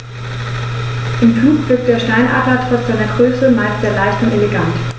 Im Flug wirkt der Steinadler trotz seiner Größe meist sehr leicht und elegant.